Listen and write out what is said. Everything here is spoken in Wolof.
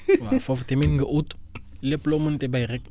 waaw foofu tamit nga ut lépp loo munti bay rekk